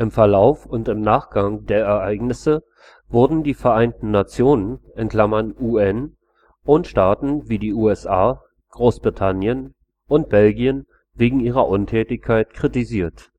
Verlauf und im Nachgang der Ereignisse wurden die Vereinten Nationen (UN) und Staaten wie die USA, Großbritannien und Belgien wegen ihrer Untätigkeit kritisiert